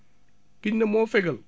kiñ ne moo fégal